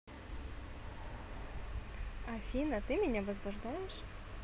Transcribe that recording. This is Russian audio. афина ты меня возбуждаешь